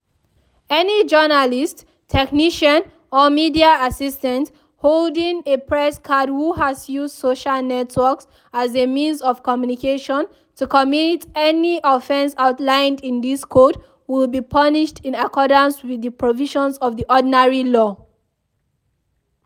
Any journalist, technician or media assistant holding a press card who has used social networks as a means of communication to commit any offense outlined in this code will be punished in accordance with the provisions of ordinary law.